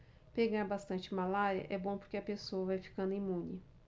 pegar bastante malária é bom porque a pessoa vai ficando imune